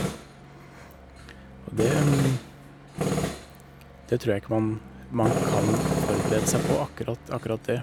Og det det trur jeg ikke man man kan forberede seg på, akkurat akkurat det.